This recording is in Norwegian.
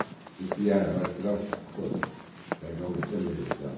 Det skulle gjerne vært grastak på det, det gamle tømmerhuset, da.